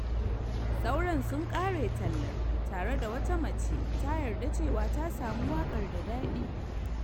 Sauran sun kare tallar, tare da wata mace ta yarda cewa ta sami waƙar "da dadi."